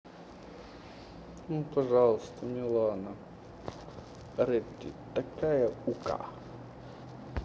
ну пожалуйста милана petit такая ука